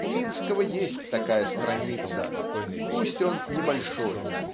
У Минского есть такая страница. Пусть он небольшой